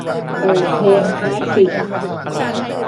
เปิดเพลงคลาสสิก